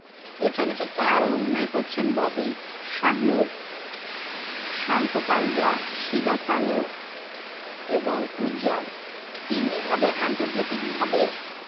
এ চলচ্চিত্রে আরও অভিনয় করেছেন ববি শাহনূর সাঙ্কোপাঞ্জা শিবা সানু এবং উজ্জ্বল তেমনিভাবে আন্তর্জাতিকভাবে